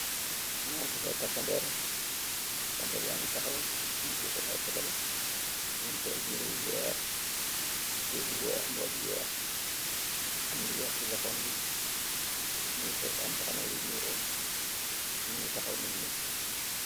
Maa ngi gis takëdér yaa ngi taxaw, ñu ngi tiye, seen ay feetal. Ñu ngi sol yiree yu weex, tuböy bu weex, mbubu bu weex, am lu weex si loxoom bi,ñ sol mbaxana yu niiro, ñu ngi taxaw ñom ñiep.